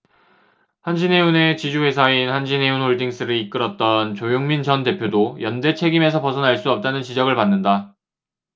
한진해운의 지주회사인 한진해운홀딩스를 이끌었던 조용민 전 대표도 연대 책임에서 벗어날 수 없다는 지적을 받는다